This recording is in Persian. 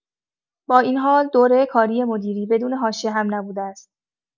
با این حال، دوره کاری مدیری بدون حاشیه هم نبوده است.